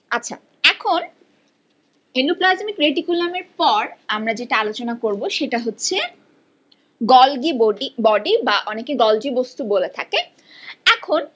আচ্ছা এখন endoplasmic reticulum এরপর আমরা যেটা আলোচনা করব সেটা হচ্ছে গলগী বডি বা অনেকে গলজি বস্তু বলে থাকে এখন